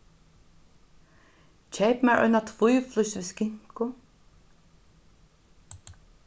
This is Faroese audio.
keyp mær eina tvíflís við skinku